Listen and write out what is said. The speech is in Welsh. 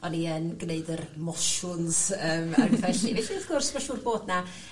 o'n i yn gneud yr mosiwns yym felly wrth gwrs ma' siŵr fod 'na